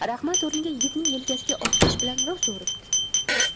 rahmat o'rniga yigitning yelkasiga obkash bilan rosa uribdi